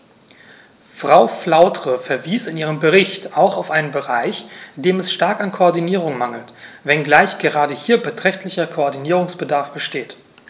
Frau Flautre verwies in ihrem Bericht auch auf einen Bereich, dem es stark an Koordinierung mangelt, wenngleich gerade hier beträchtlicher Koordinierungsbedarf besteht.